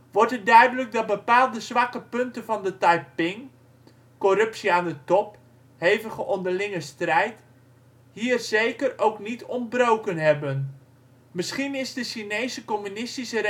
wordt het duidelijk dat bepaalde zwakke punten van de Taiping (corruptie aan de top, hevige onderlinge strijd) hier zeker ook niet ontbroken hebben. Misschien is de Chinese Communistische